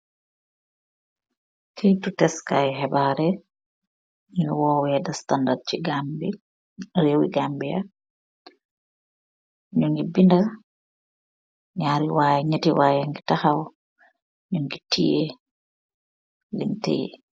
Kaitu taskai khibaaryi, linyu woyeh the standard si rewi Gambia. Nyungi binda, nyeti y yangi tahaw, nyungi tiyeh lun tiyeh.